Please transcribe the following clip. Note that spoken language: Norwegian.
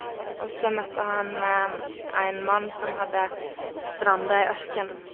Og så møtte han en mann som hadde stranda i ørkenen.